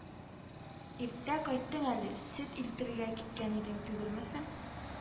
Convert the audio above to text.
Иртә кайттың әле, сөт илтергә киткән идең түгелме соң